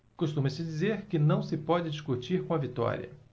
costuma-se dizer que não se pode discutir com a vitória